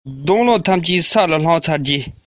ཁམ ཆུ ཁ ནང འཛུལ བ དང